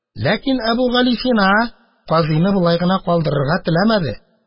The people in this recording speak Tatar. Ләкин Әбүгалисина казыйны болай гына калдырырга теләмәде.